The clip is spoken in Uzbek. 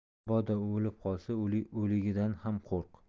mabodo u o'lib qolsa o'ligidan ham qo'rq